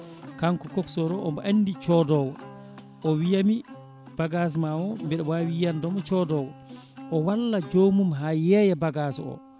kanko coxeur o omo andi codowo o wiiyami bagage ma o mbeɗa wawi yiyandema codowo o walla joomum ha yeeya bagage o